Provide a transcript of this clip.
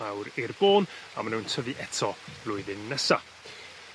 lawr i'r bôn a ma' nw'n tyfu eto flwyddyn nesa.